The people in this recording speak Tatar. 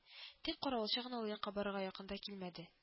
Тик каравылчы гына ул якка барырга якын да килмәде